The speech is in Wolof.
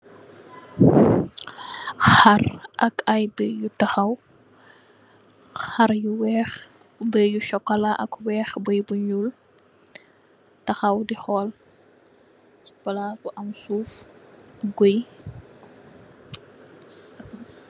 Haarr ak ay bëyè yu tahaw. Haarr yu weeh, bëyè yu sokola ak weeh bëyè bu ñuul tahaw di hool ci palaas bu am suuf, bouyè.